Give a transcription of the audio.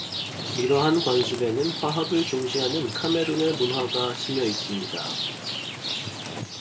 이러한 관습에는 화합을 중시하는 카메룬의 문화가 스며 있습니다